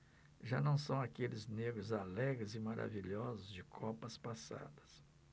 já não são aqueles negros alegres e maravilhosos de copas passadas